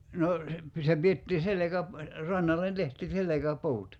no se se pidettiin - rannalle tehtiin selkäpuut